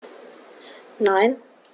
Nein.